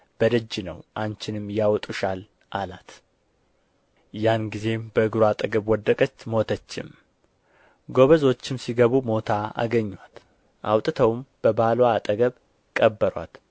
በደጅ ነው አንቺንም ያወጡሻል አላት ያን ጊዜም በእግሩ አጠገብ ወደቀች ሞተችም ጐበዞችም ሲገቡ ሞታ አገኙአት አውጥተውም በባልዋ አጠገብ ቀበሩአት